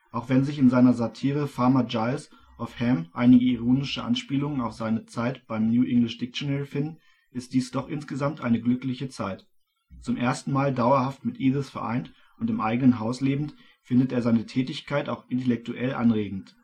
Auch wenn sich in seiner Satire Farmer Giles of Ham einige ironische Anspielungen auf seine Zeit beim New English Dictionary finden, ist dies doch insgesamt eine glückliche Zeit. Zum ersten Mal dauerhaft mit Edith vereint und im eigenen Haus lebend, findet er seine Tätigkeit auch intellektuell anregend